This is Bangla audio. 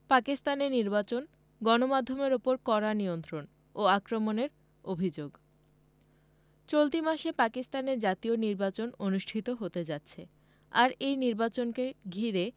পাকিস্তানে নির্বাচন গণমাধ্যমের ওপর কড়া নিয়ন্ত্রণ ও আক্রমণের অভিযোগ চলতি মাসে পাকিস্তানে জাতীয় নির্বাচন অনুষ্ঠিত হতে যাচ্ছে আর এই নির্বাচনকে ঘিরে